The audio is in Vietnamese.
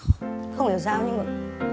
không hiểu sao nhưng mà